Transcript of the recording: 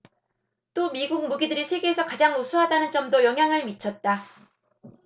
또 미국 무기들이 세계에서 가장 우수하다는 점도 영향을 미쳤다